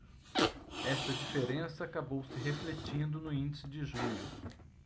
esta diferença acabou se refletindo no índice de julho